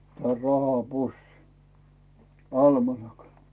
ja rahapussin almanakan